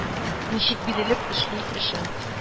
Ничек бирелеп эшли эшен...